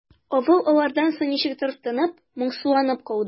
Авыл алардан соң ничектер тынып, моңсуланып калды.